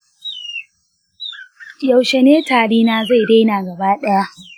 yaushe ne tari na zai daina gaba ɗaya?